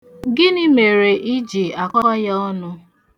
Gịnị mere ị ji akọ ya ọnụ?